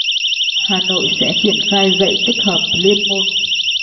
hà nội sẽ triển khai dạy tích hợp liên môn